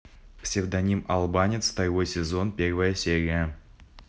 псевдоним албанец второй сезон первая серия